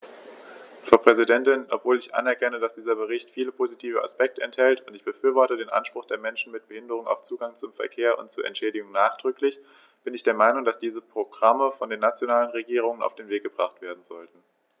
Frau Präsidentin, obwohl ich anerkenne, dass dieser Bericht viele positive Aspekte enthält - und ich befürworte den Anspruch der Menschen mit Behinderung auf Zugang zum Verkehr und zu Entschädigung nachdrücklich -, bin ich der Meinung, dass diese Programme von den nationalen Regierungen auf den Weg gebracht werden sollten.